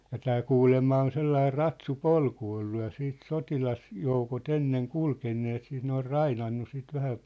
ja tämä kuulemma on sellainen ratsupolku ollut ja siitä sotilasjoukot ennen kulkeneet siitä ne on rainannut sitten vähän